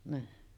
niin